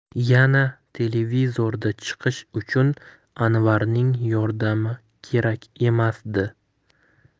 yana televizorda chiqish uchun anvarning yordami kerak emasdi